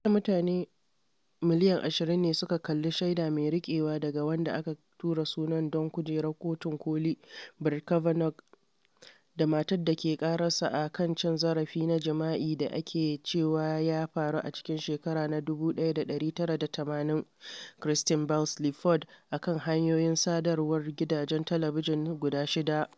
Fiye da mutane miliyan 20 ne suka kalli shaida mai riƙewa daga wanda aka tura sunan don kujerar Kotun Koli Brett Kavanaugh da matar da ke ƙararsa a kan cin zarafi na jima’i da ake cewa ya faru a cikin shekaru na 1980, Christine Blasey Ford, a kan hanyoyin sadarwar gidajen talabijin guda shida.